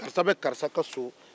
karisa bɛ karisa ka so